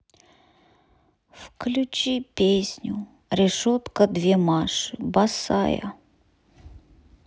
включи песню решетка две маши босая